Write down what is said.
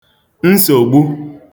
nsògbu